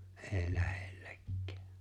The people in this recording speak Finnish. ei lähellekään